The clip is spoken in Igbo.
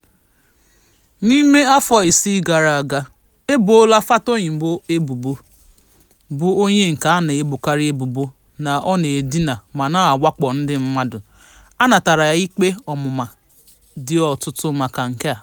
N'ime afọ isii gara aga, e boola Fatoyinbo ebubo, bụ onye nke a na-ebokarị ebubo na ọ na-edina ma na-awakpo ndị mmadụ, a natara ikpe ọmụma dị ọtụtụ maka nke a.